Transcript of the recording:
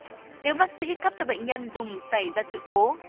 nếu bác sĩ cấp cho bệnh nhân dùng xảy ra sự cố